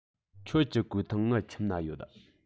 ཁྱོད ཀྱི གོས ཐུང ངའི ཁྱིམ ན ཡོད